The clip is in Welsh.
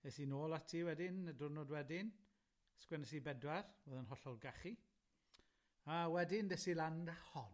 Es i nôl ati wedyn, y diwrnod wedyn, sgwennes i bedwar, o'dd yn hollol gachu, a wedyn des i lan 'da hon.